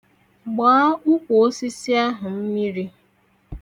Gbaa ukwu osisi ahụ mmiri